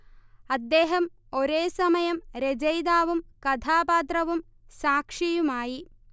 അദ്ദേഹം ഒരേസമയം രചയിതാവും കഥാപാത്രവും സാക്ഷിയുമായി